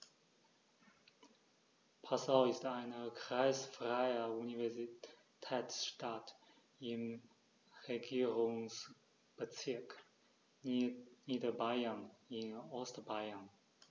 Passau ist eine kreisfreie Universitätsstadt im Regierungsbezirk Niederbayern in Ostbayern.